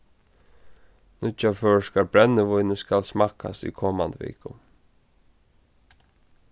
nýggja føroyska brennivínið skal smakkast í komandi viku